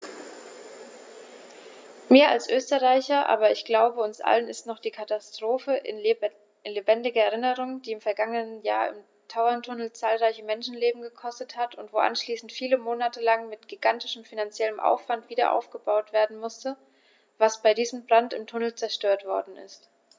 Mir als Österreicher, aber ich glaube, uns allen ist noch die Katastrophe in lebendiger Erinnerung, die im vergangenen Jahr im Tauerntunnel zahlreiche Menschenleben gekostet hat und wo anschließend viele Monate lang mit gigantischem finanziellem Aufwand wiederaufgebaut werden musste, was bei diesem Brand im Tunnel zerstört worden ist.